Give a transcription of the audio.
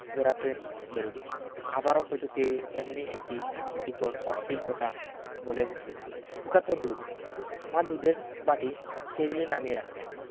বেড়াতে বেরুবে আবারো হয়তো কেউ এমনি একটি ইতর অশ্লীল কথা বলে বসবে তাকে খোকা তোর দুধ মা দুদের বাটি টেবিলে নামিয়ে রাখলেন